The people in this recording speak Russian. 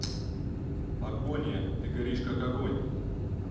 агония ты горишь как огонь